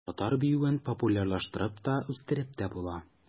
Татар биюен популярлаштырып та, үстереп тә була.